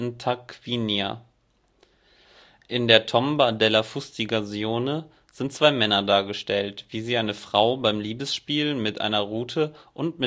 Tarquinia. In der Tomba della Fustigazione (Grab der Züchtigung, Ende des 6. Jahrhunderts v. Chr.) sind zwei Männer dargestellt, wie sie eine Frau beim Liebesspiel mit einer Rute und